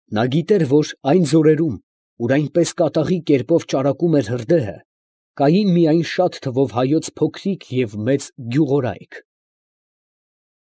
Նա գիտեր, որ այն ձորերում, ուր այնպես կատաղի կերպով ճարակում էր հրդեհը, կային միայն շատ թվով հայոց փոքրիկ և մեծ գյուղորայք…։